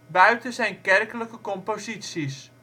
buiten zijn kerkelijke composities